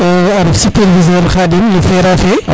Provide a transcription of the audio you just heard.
a ref superviseur Khadim no FERA fe